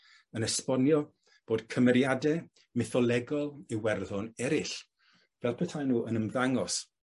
yn esbonio bod cymeriade mytholegol Iwerddon eryll fel petai nw yn ymddangos